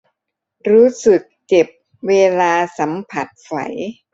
รู้สึกเจ็บเวลาสัมผัสไฝ